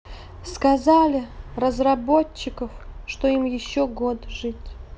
сказали разработчиков что им еще год жить